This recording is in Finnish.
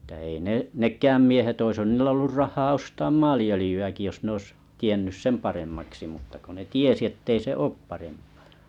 että ei - nekään miehet olisihan niillä ollut rahaa ostaa maaliöljyäkin jos ne olisi tiennyt sen paremmaksi mutta kun ne tiesi että ei se ole parempaa